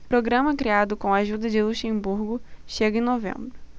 programa criado com a ajuda de luxemburgo chega em novembro